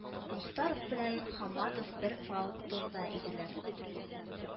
Мохтаров белән Хамматов бер фаэтонда иделәр